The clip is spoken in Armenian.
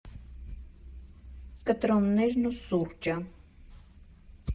Կտրոններն ու սուրճը։